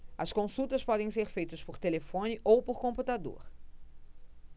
as consultas podem ser feitas por telefone ou por computador